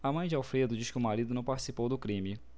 a mãe de alfredo diz que o marido não participou do crime